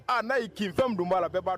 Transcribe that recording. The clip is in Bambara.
Aa n'a'i kin fɛn min dun b'a la bɛɛ b'a dɔn.